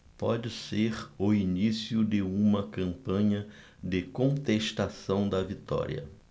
pode ser o início de uma campanha de contestação da vitória